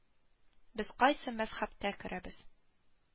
Без кайсы мәзһәбкә керәбез